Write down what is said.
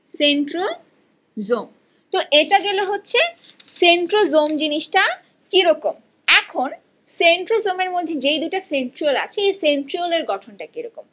centrosome এটা গেল হচ্ছে সেন্ট্রোসোম জিনিসটা কি রকম এখন সেন্ট্রোজোম এর মধ্যে যে দুটো সেন্ট্রিওল আছে এ সেন্ট্রিওল এর গঠন টা কি রকম